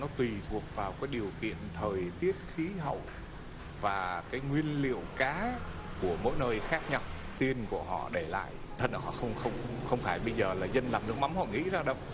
nó tùy thuộc vào cái điều kiện thời tiết khí hậu và cái nguyên liệu cá của mỗi nơi khác nhau tiền của họ để lại thật đó không không không phải bây giờ là dân làm nước mắm họ nghĩ ra đâu